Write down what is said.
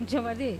Jabate